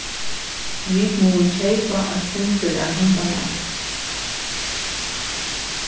vit mugu keypa eitt sindur av hundamati